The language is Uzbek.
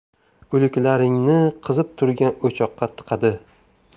o'liklaringni qizib turgan o'choqqa tiqadi